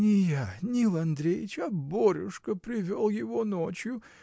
— Не я, Нил Андреич, а Борюшка привел его ночью.